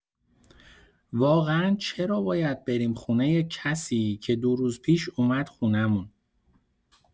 واقعا چرا باید بریم خونۀ کسی که دو روز پیش اومد خونمون؟